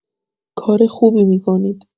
کار خوبی می‌کنید